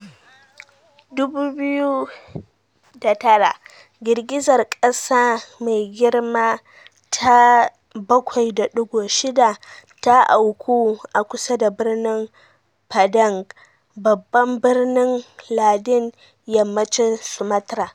2009: Girgizar kasa mai girma ta 7.6 ta auku a kusa da birnin Padang, babban birnin lardin yammacin Sumatra.